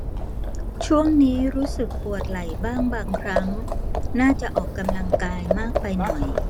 ช่วงนี้รู้สึกปวดไหล่บ้างบางครั้งน่าจะออกกำลังกายมากไปหน่อย